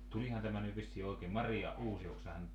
tulihan tämä nyt vissiin oikein Maria Uusioksahan